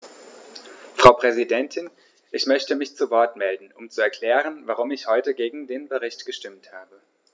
Frau Präsidentin, ich möchte mich zu Wort melden, um zu erklären, warum ich heute gegen den Bericht gestimmt habe.